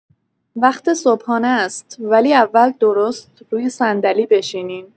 وقت صبحانه‌ست، ولی اول درست روی صندلی بشینین.